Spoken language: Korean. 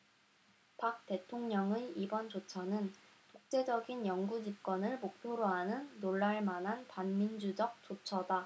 박 대통령의 이번 조처는 독재적인 영구집권을 목표로 하는 놀랄 만한 반민주적 조처다